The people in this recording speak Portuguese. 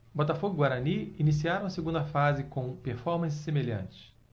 botafogo e guarani iniciaram a segunda fase com performances semelhantes